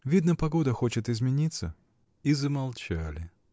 — Видно, погода хочет измениться. И замолчали.